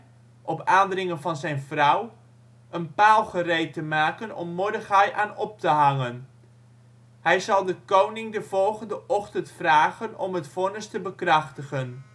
aandringen van zijn vrouw, een paal gereed te maken om Mordechai aan op te hangen. Hij zal de koning de volgende ochtend vragen om het vonnis te bekrachtigen